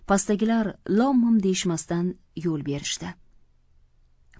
pastdagilar lom mim deyishmasdan yo'l berishdi